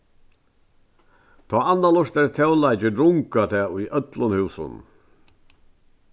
tá anna lurtar eftir tónleiki rungar tað í øllum húsunum